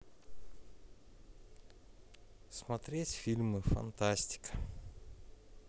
смотреть фильмы фантастика